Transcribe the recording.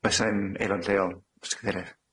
Bysa'n aelod lleol, Mr cadeirydd.